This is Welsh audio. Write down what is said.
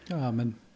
O mae'n...